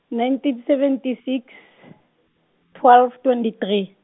nineteen seventy six, twelve, twenty three.